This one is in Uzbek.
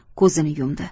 ko'zini yumdi